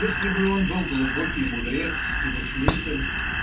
Если бы он был глубокий мудрец и мыслитель